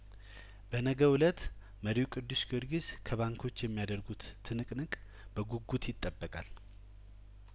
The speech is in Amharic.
በነገው እለት መሪው ቅዱስ ጊዮርጊስ ከባንኮች የሚያደርጉት ትንቅንቅ በጉጉት ይጠበቃል